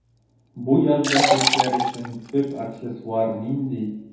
Бу язда чәчләр өчен төп аксессуар нинди?